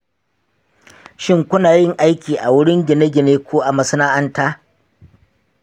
shin kuna yin aiki a wurin gine-gine ko a masana'anta?